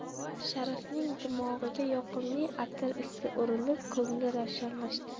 sharifning dimog'iga yoqimli atir isi urilib ko'ngli ravshanlashdi